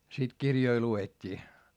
sitten kirjoja luettiin